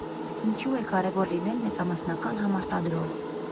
Ինչու է կարևոր լինել մեծամասնական համարտադրող։